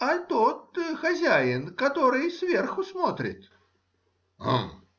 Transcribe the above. — А тот хозяин, который сверху смотрит. — Гм!